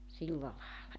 silla lailla